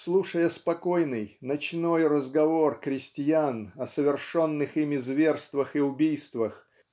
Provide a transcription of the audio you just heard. слушая спокойный "ночной разговор" крестьян о совершенных ими зверствах и убийствах